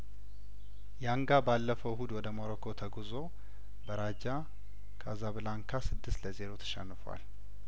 ያንጋ ባለፈው እሁድ ወደ ሞሮኮ ተጉዞ በራጃ ካዛብላንካ ስድስት ለዜሮ ተሸንፏል